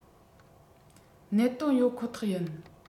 གནད དོན ཡོད ཁོ ཐག ཡིན